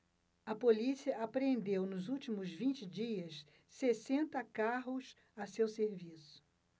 a polícia apreendeu nos últimos vinte dias sessenta carros a seu serviço